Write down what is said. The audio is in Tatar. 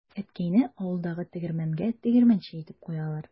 Әткәйне авылдагы тегермәнгә тегермәнче итеп куялар.